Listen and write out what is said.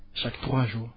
chaque trois jours